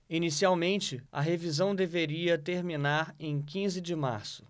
inicialmente a revisão deveria terminar em quinze de março